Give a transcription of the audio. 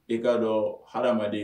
I k'a dɔn hadamaden